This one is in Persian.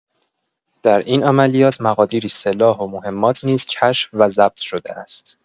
در این عملیات، مقادیری سلاح و مهمات نیز کشف و ضبط شده است.